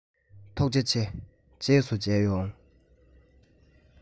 ཐུགས རྗེ ཆེ རྗེས སུ མཇལ ཡོང